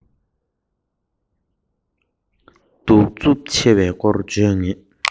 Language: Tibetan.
སྡུག རྩུབ ཆེ བའི སྐོར བརྗོད ངེས